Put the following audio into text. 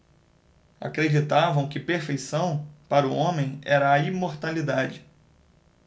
acreditavam que perfeição para o homem era a imortalidade